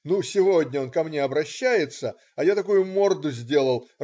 Ну, сегодня он ко мне обращается, а я такую морду сделал!